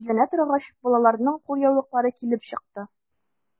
Эзләнә торгач, балаларның кулъяулыклары килеп чыкты.